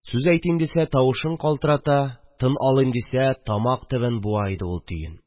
Сүз әйтим дисә – тавышын калтырата, тын алыйм дисә – тамак төбен буа иде ул төен